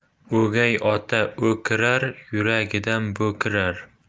o'gay ota o'kirar yuragidan bo'kirar